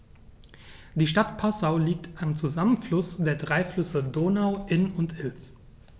Die Stadt Passau liegt am Zusammenfluss der drei Flüsse Donau, Inn und Ilz.